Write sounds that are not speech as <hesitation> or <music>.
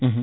<hesitation> <hesitation>